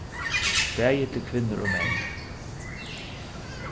bæði til kvinnur og menn